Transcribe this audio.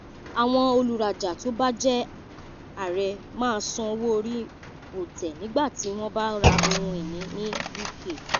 Àwọn olùrajà tó bá jẹ́ àrè máa san owó orí òǹtẹ̀ nígbàtí wọ́n bá ra ohun iní ní UK